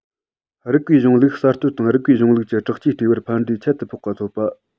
རིགས པའི གཞུང ལུགས གསར གཏོད དང རིགས པའི གཞུང ལུགས ཀྱིས དྲག ཆས སྤྲས པར ཕན འབྲས ཁྱད དུ འཕགས པ ཐོབ པ